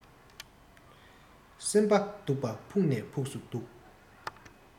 སེམས པ སྡུག པ ཕུགས ནས ཕུགས སུ སྡུག